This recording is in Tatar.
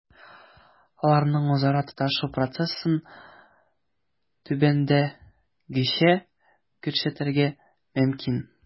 Аларның үзара тоташу процессын түбәндәгечә күрсәтергә мөмкин: